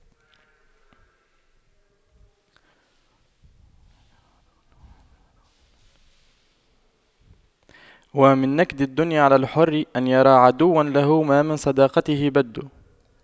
ومن نكد الدنيا على الحر أن يرى عدوا له ما من صداقته بد